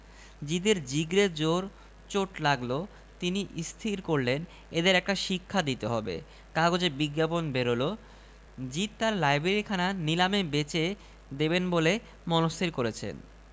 তবে তিনি সেটা পরমানন্দে কাজে লাগান এবং শুধু তাই নয় অধিকাংশ সময়েই দেখা যায় জ্ঞানীরা পয়সা পেলে খরচ করতে পারেন ধনীদের চেয়ে অনেক ভালো পথে ঢের উত্তম পদ্ধতিতে